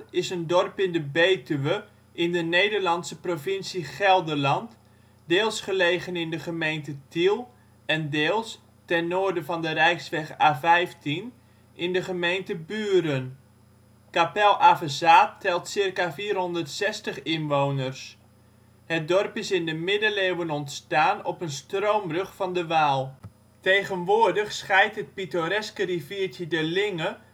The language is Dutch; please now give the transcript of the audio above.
is een dorp in de Betuwe, in de Nederlandse provincie Gelderland, deels gelegen in de gemeente Tiel en deels (ten noorden van de rijksweg A15) in de gemeente Buren. Kapel-Avezaath telt ca. 460 inwoners. Het dorp is in de middeleeuwen ontstaan op een stroomrug van de Waal. Tegenwoordig scheidt het pittoreske riviertje de Linge